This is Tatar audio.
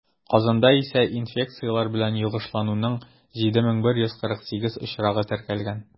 Казанда исә инфекцияләр белән йогышлануның 7148 очрагы теркәлгән.